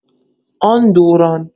آن دوران